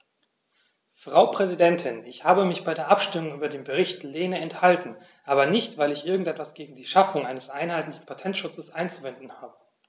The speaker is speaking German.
Frau Präsidentin, ich habe mich bei der Abstimmung über den Bericht Lehne enthalten, aber nicht, weil ich irgend etwas gegen die Schaffung eines einheitlichen Patentschutzes einzuwenden habe.